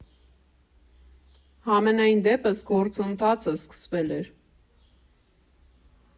Համենայն դեպս, գործընթացը սկսվել էր…